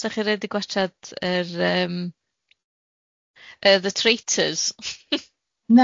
os 'da chi rioed di gwatshad yr yym yy The Traitors .